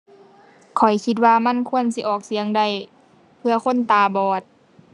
ข้อยคิดว่ามันควรสิออกเสียงได้เพื่อคนตาบอด